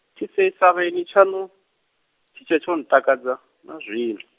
tshiseisavhaeni tshaṋu, tshi tshe tsho ntakadza, na zwino.